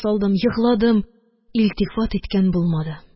Салдым, егладым, илтифат иткән булмады